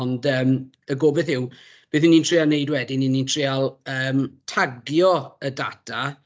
Ond yym y gobaith yw beth 'y ni'n trio wneud wedyn ry'n ni'n trio tagio y data